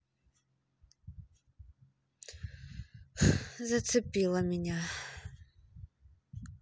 зацепила меня